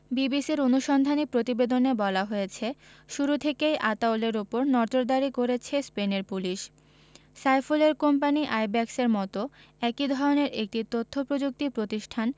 বিবিসির অনুসন্ধানী প্রতিবেদনে বলা হয়েছে শুরু থেকেই আতাউলের ওপর নজরদারি করেছে স্পেনের পুলিশ সাইফুলের কোম্পানি আইব্যাকসের মতো একই ধরনের একটি তথ্যপ্রযুক্তি প্রতিষ্ঠান